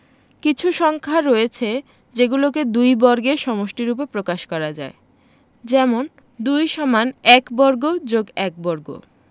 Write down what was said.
কিছু সংখ্যা রয়েছে যেগুলোকে দুইটি বর্গের সমষ্টিরুপে প্রকাশ করা যায় যেমন, ২=১^২+১^২